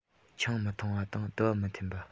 ཆང མི འཐུང བ དང དུ བ མི འཐེན པ